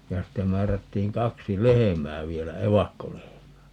ja sitten määrättiin kaksi lehmää vielä evakkolehmää